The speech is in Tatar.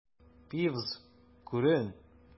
Пивз, күрен!